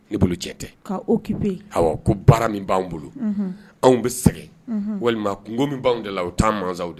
Ne bolo cɛ tɛ ko baara min b'an bolo anw bɛ sɛgɛn walima kungoko min b'an deli la u taa mansaw de